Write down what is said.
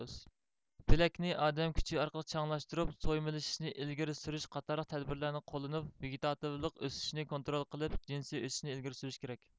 پېلەكنى ئادەم كۈچى ئارقىلىق چاڭلاشتۇرۇپ سويمىلىشىنى ئىلگىرى سۈرۈش قاتارلىق تەدبىرلەرنى قوللىنىپ ۋىگىتاتىۋلىق ئۆسۈشىنى كونترول قىلىپ جىنسىي ئۆسۈشنى ئىلگىرى سۈرۈش كېرەك